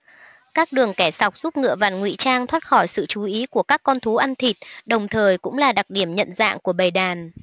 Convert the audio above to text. các đường kẻ sọc giúp ngựa vằn ngụy trang thoát khỏi sự chú ý của các con thú ăn thịt đồng thời cũng là đặc điểm nhận dạng của bầy đàn